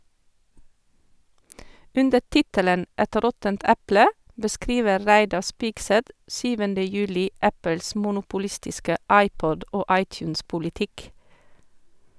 Under tittelen «Et råttent eple» beskriver Reidar Spigseth 7. juli Apples monopolistiske iPod- og iTunes-politikk.